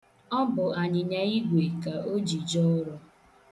Ọ bụ anyịnyaigwe ka o ji jee ọrụ.